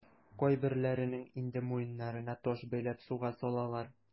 Кайберләренең инде муеннарына таш бәйләп суга салалар.